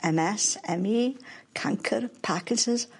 Em Ess Em Eee cancyr Parkinsons